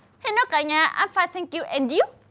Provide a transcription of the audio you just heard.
hê lô cả nhà am phai thanh kiu èn díu